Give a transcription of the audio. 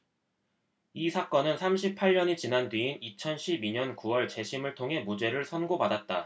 이 사건은 삼십 팔 년이 지난 뒤인 이천 십 이 년 구 월 재심을 통해 무죄를 선고받았다